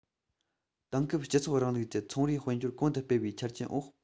དེང སྐབས སྤྱི ཚོགས རིང ལུགས ཀྱི ཚོང རའི དཔལ འབྱོར གོང དུ སྤེལ བའི ཆ རྐྱེན འོག